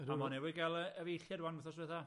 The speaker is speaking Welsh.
Ydw. A ma' newydd ga'l yy efeilliad ŵan wthos dwetha.